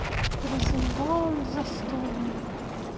розенбаум застольная